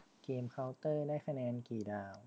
เกมเค้าเตอร์ได้คะแนนกี่ดาว